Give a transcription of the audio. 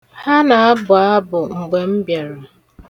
Ha na-abụ abụ mgbe m bịara.